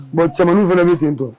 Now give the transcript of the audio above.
Bon cɛman fana bɛ ten to